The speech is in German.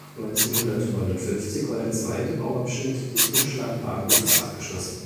1959 war der zweite Bauabschnitt des Umschlagbahnhofes abgeschlossen